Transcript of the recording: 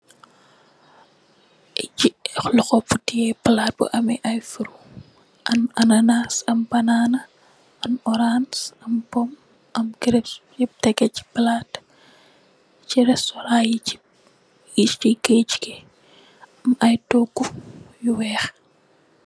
Chi lokhor bu tiyeh plaat bu ameh aiiy fruit, am ananass, am banana, am ohrance, am pom, am grapes, yehp tehgeh chi plaat, chi restaurant yii chi, yii chi geudggh bii, am aiiy tohgu yu wekh.